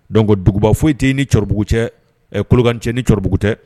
Donc duguba foyi tɛ ni cɛkɔrɔbabugu cɛ kolokan cɛ ni cɛkɔrɔbabugu tɛ